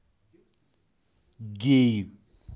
геи